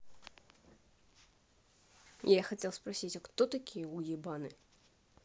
я хотел спросить а кто такие уебаны